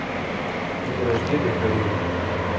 день рождения карина